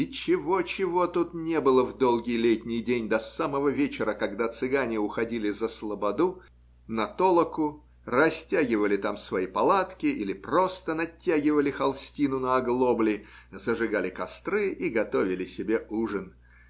и чего-чего тут не было в долгий летний день до самого вечера, когда цыгане уходили за слободу, на толоку, растягивали там свои палатки или просто натягивали холстину на оглобли, зажигали костры и готовили себе ужин.